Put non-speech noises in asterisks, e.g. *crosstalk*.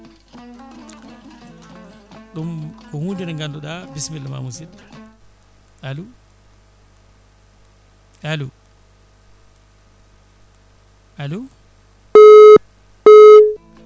ɗum ko hunde nde ganduɗa bisimillama musidɗo alo alo alo *noise*